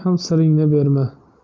ham siringni berma